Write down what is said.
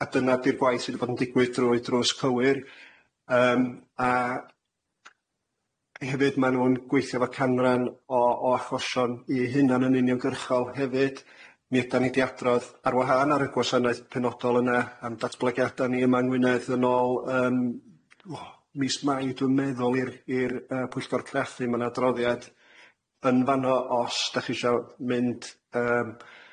a dyna 'di'r gwaith sydd wedi bod yn digwydd drwy drws cywir yym a hefyd ma' nw'n gweithio efo canran o o achosion i hunan yn uniongyrchol hefyd mi ydan ni 'di adrodd ar wahân ar y gwasanaeth penodol yna am datblygiada ni yma yng Ngwynedd yn ôl yym w- mis Mai dwi'n meddwl i'r i'r yy Pwyllgor Craffu ma' 'na adroddiad yn fanno os dach chi isio mynd yym